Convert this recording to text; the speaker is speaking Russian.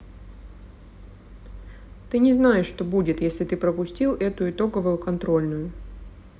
ты не знаешь что будет если ты пропустил этот итоговую контрольную